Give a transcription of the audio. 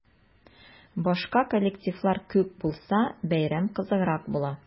Башка коллективлар күп булса, бәйрәм кызыграк була.